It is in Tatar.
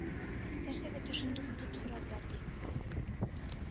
— нәрсәгә төшендең? — дип сорадылар, ди.